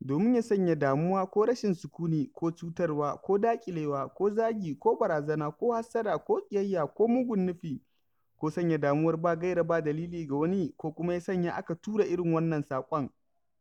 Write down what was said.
domin ya sanya damuwa ko rashin sukuni ko cutarwa ko daƙilewa ko zagi ko barazana ko hassada ko ƙiyayya ko mugun nufi ko sanya damuwar ba gaira ba dalili ga wani ko kuma ya sanya aka tura irin wannan saƙon."